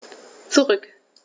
Zurück.